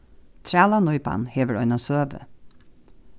trælanípan hevur eina søgu